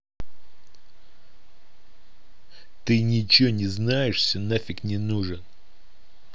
ты ничего не знаешься нафиг не нужен